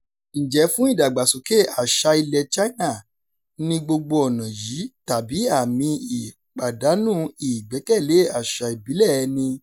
Ǹjẹ́ fún ìdàgbàsókè àṣà ilẹ̀ China ni gbogbo ọ̀nà yìí tàbí àmì ìpàdánù ìgbẹ́kẹ̀lé àṣà ìbílẹ̀ ẹni?